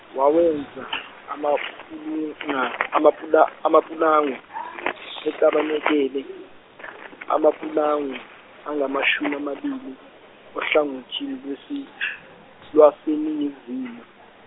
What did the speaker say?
wawenza amapulanga amapula- amapulangwe eTabenekele amapulangwe angamashumi amabili ohlangothini lwesi- lwaseNingizimu.